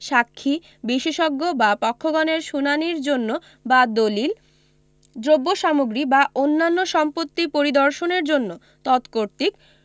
সাক্ষী বিশেষজ্ঞ বা পক্ষগণের শুনানীর জন্য বা দলিল দ্রব্যসামগ্রী বা অন্যান্য সম্পত্তি পরিদর্শনের জন্য তৎকর্তৃক